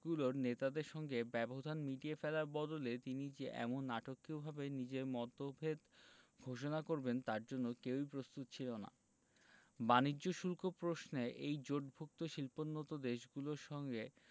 গুলোর নেতাদের সঙ্গে ব্যবধান মিটিয়ে ফেলার বদলে তিনি যে এমন নাটকীয়ভাবে নিজের মতভেদ ঘোষণা করবেন তার জন্য কেউই প্রস্তুত ছিল না বাণিজ্য শুল্ক প্রশ্নে এই জোটভুক্ত শিল্পোন্নত দেশগুলোর সঙ্গে